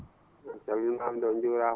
on calminaama de on njuuraama